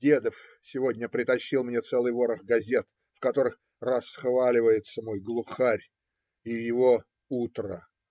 Дедов сегодня притащил мне целый ворох газет, в которых расхваливаются мой "Глухарь" и его "Утро".